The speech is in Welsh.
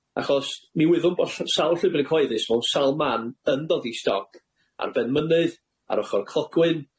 achos mi wyddwn bo' ll- sawl llwybyr cyhoeddus mewn sawl man yn dod i stop ar ben mynydd, ar ochor clogwyn,